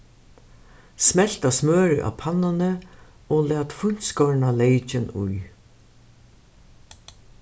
smelta smørið á pannuni og lat fíntskorna leykin í